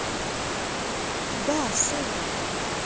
да супер